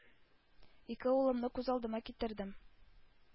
Ике улымны күз алдыма китердем,